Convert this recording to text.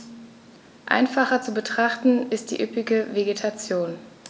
Einfacher zu betrachten ist die üppige Vegetation.